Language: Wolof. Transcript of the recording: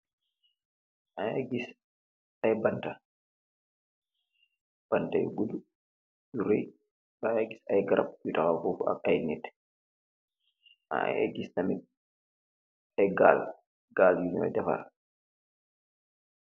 banta yi godu yurai mangi gis nit you tahaw ak gal nuiko dafar